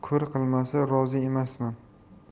ko'r qilmasa rozi emasman